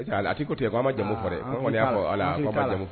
A ko ko ma jamumu ko y jamu